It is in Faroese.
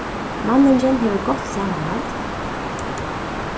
manningin hevur gott samanhald